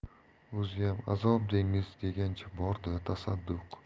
o'ziyam azob dengiz degancha bor da tasadduq